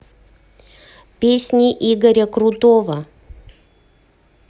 песни игоря крутого